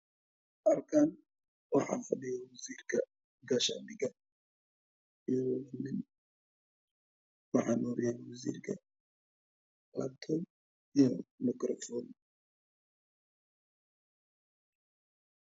Halkan waxan fadhiya wasirka kaashan dhiga iyo nincawiya wasirka labtob iyo makarofon